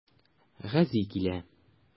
Гази килә.